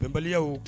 Baliya o